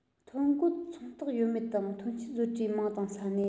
ཐོ འགོད ཚོང རྟགས ཡོད མེད དང ཐོན སྐྱེད བཟོ གྲྭའི མིང དང ས གནས